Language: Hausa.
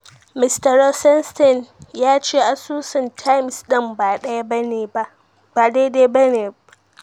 Mr. Rosenstein ya ce asusun Times ɗin ba daidai ba ne.